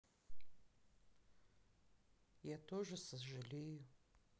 я тоже сожалею